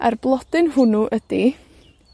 A'r blodyn hwnnw ydi